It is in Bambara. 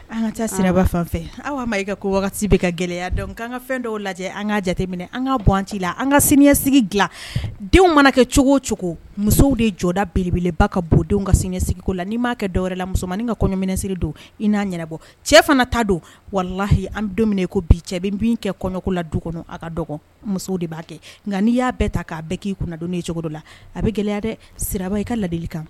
An ka taa siraba fan aw ma i ka ko bɛ ka gɛlɛya an ka fɛn dɔw lajɛ an ka jateminɛ an ka bɔ an ci la an ka siniɲɛ sigi dila denw mana kɛ cogo cogo musow de jɔda belebeleba ka bondenw ka sɲɛsigiko la n'i m'a kɛ dɔwɛrɛ la musomanmaninin ka kɔɲɔminɛsiri don i n'a ɲɛnabɔ cɛ fana ta don walahi an bɛ don i ko bi cɛ bɛ min kɛ kɔɲɔko la du kɔnɔ a ka dɔgɔ musow de b'a kɛ nka n'i y'a bɛɛ ta k'a bɛɛ k'i kun don e cogo la a bɛ gɛlɛya dɛ siraba i ka ladili kan